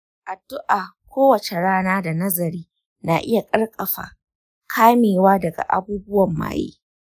addu’a kowace rana da nazari na iya ƙarfafa kamewa daga abubuwan maye.